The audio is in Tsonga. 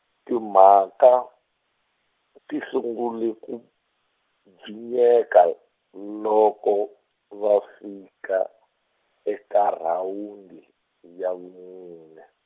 timhaka ti sungule ku bvinyeka, loko va fika , eka rhawundi ya vumune.